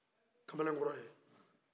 kamalenkɔrɔ ye